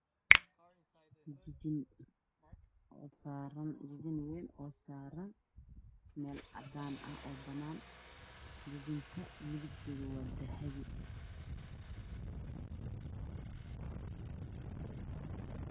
Jijin weyn oo saaran meel cadaan ah jijinta midabkeedu waa dahabi